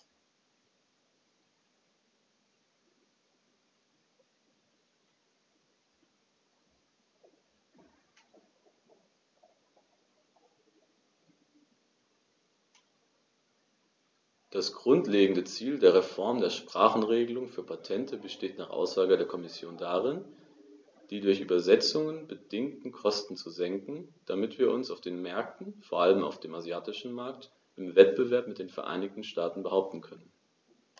Das grundlegende Ziel der Reform der Sprachenregelung für Patente besteht nach Aussage der Kommission darin, die durch Übersetzungen bedingten Kosten zu senken, damit wir uns auf den Märkten, vor allem auf dem asiatischen Markt, im Wettbewerb mit den Vereinigten Staaten behaupten können.